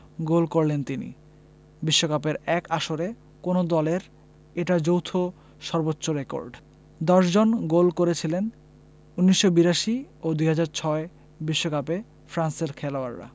গোল করলেন তিনি বিশ্বকাপের এক আসরে কোনো দলের এটা যৌথ সর্বোচ্চ রেকর্ড ১০ জন গোল করেছিলেন ১৯৮২ ও ২০০৬ বিশ্বকাপে ফ্রান্সের খেলোয়াড়রা